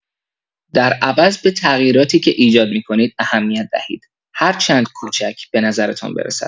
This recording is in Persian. در عوض به تغییراتی که ایجاد می‌کنید اهمیت دهید، هرچند کوچک به نظرتان برسد.